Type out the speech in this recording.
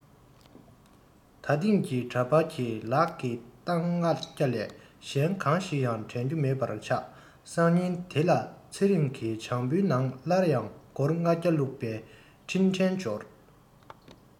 ད ཐེངས ཀྱི འདྲ པར གྱི ལག གི སྟངས ལྔ བརྒྱ ལས གཞན གང ཞིག ཡང དྲན རྒྱུ མེད པར ཆག སང ཉིན དེ ལ ཚེ རིང གི བྱང བུའི ནང སླར ཡང སྒོར མོ ལྔ བརྒྱ བླུག པའི འཕྲིན ཕྲན འབྱོར